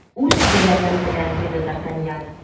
Үз теләгем белән! - диде д’Артаньян.